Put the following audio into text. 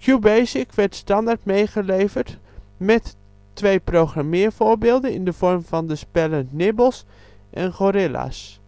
QBasic werd standaard meegeleverd met twee programmeervoorbeelden in de vorm van de spellen Nibbles en Gorillas